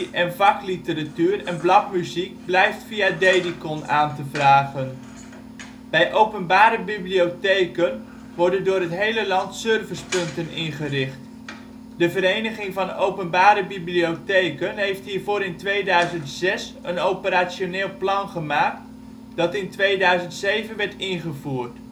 en vakliteratuur en bladmuziek blijft via Dedicon aan te vragen. Bij openbare bibliotheken worden door het hele land servicepunten opgericht. De Vereniging van Openbare Bibliotheken heeft hiervoor in 2006 een operationeel plan gemaakt dat in 2007 werd ingevoerd